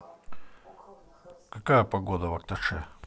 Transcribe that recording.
какая погода в окташе